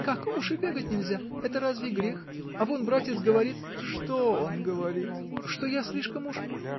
— Как, уж и бегать нельзя: это разве грех? А вон братец говорит. — Что он говорит? — Что я слишком уж.